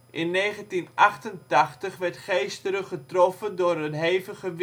In 1988 werd Geesteren getroffen door een hevige